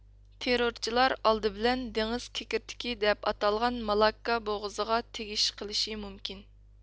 تېررورچىلار ئالدى بىلەن دېڭىز كېكىرتىكى دەپ ئاتالغان مالاككا بوغۇزىغا تېگىش قىلىشى مۇمكىن